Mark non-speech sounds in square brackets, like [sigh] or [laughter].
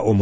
[hesitation] [hesitation]